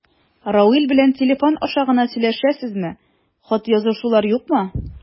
Равил белән телефон аша гына сөйләшәсезме, хат язышулар юкмы?